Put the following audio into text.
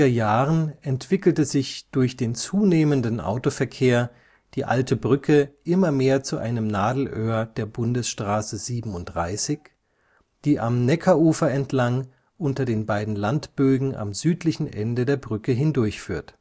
Jahren entwickelte sich durch den zunehmenden Autoverkehr die Alte Brücke immer mehr zu einem Nadelöhr der Bundesstraße 37, die am Neckarufer entlang unter den beiden Landbögen am südlichen Ende der Brücke hindurchführt